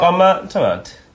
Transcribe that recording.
...on' ma' t'mod?